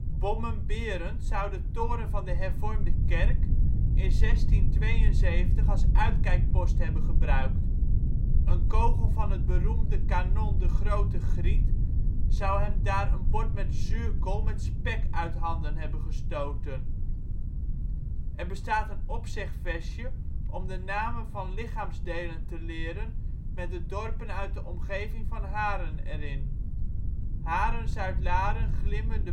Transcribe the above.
Bommen Berend zou de toren van de hervormde kerk in 1672 als uitkijkpost hebben gebruikt. Een kogel van het beroemde kanon de Grote Griet zou hem daar een bord met zuurkool met spek uit handen hebben gestoten. Er bestaat een opzegversje om de namen van lichaamsdelen te leren met de dorpen uit de omgeving van Haren erin: Haren, Zuidlaren, Glimmen